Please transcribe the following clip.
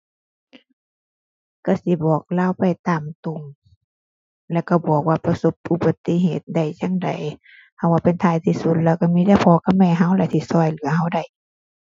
ก็สิบอกเลาไปตามตรง แล้วก็บอกว่าประสบอุบัติเหตุได้จั่งใด เพราะว่าเป็นท้ายที่สุดแล้วก็มีแต่พ่อกับแม่ก็แหละ ที่ก็เหลือก็ได้